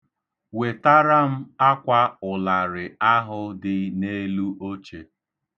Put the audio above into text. Wetara m akwa ụlarị ahụ dị n'elu oche.